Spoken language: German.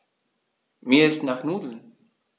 Mir ist nach Nudeln.